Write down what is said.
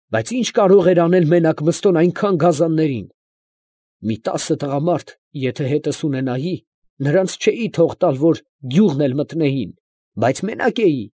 Բայց, ի՛նչ կարող էր անել մենակ Մըստոն այնքան գազաններին. մի տասը տղամարդ եթե հետս ունենայի, նրանց չէի թող տալ, որ գյուղն էլ մտնեին, բայց մենակ էի։